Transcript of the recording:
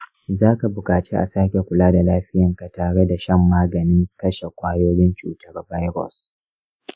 zaka bukaci a sake kula da lafiyanka tareda shan maganin kashe kwayoyin cutar virus.